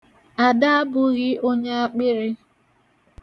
Ada abụghị onye akpịrị.